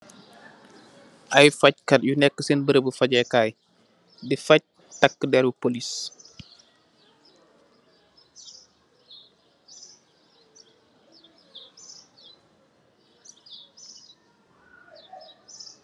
Ay faag kat yuneka sen berembi fageh kai di faag taka deri police.